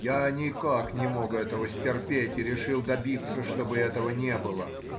Я никак не мог этого стерпеть и решил добиться, чтобы этого не было.